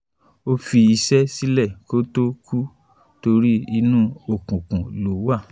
O fi iṣẹ́ sílẹ̀ kó tó kù torí “inú òkùkùn ló wà”.